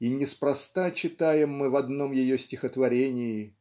и неспроста читаем мы в одном ее стихотворении